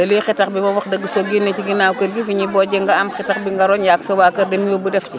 te liy xetax bi moom wax dëgg soo génnee ci ginnaaw kër gi fi ñuy bojjee nga am xetax gi nga roñ yaak sa waa kër dem yóbu def ci